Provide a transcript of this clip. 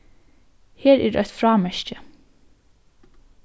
her er eitt frámerki